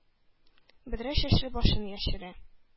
Бөдрә чәчле башын яшерә.